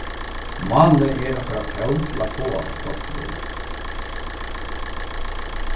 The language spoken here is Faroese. málið er okkara tól til at fáa eitt gott eitt lív